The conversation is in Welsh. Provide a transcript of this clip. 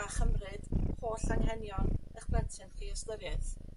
â chymryd holl anghenion 'ych blentyn chi i ystyriaeth.